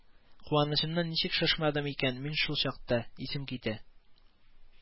Куанычымнан ничек шашмадым икән мин шул чакта, исем китә